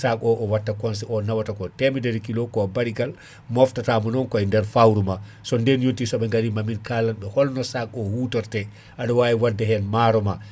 sac o watta cons o nawata ko temedere kilos ko barigal moftatamo nonkoy nder fawru ma so nden yonti soɓe gari momin kalanɓe holno sac o hutorte aɗa waawi wadde e maaro ma